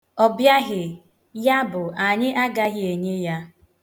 Ọ bịaghị, yabụ, anyị agaghị enye ya.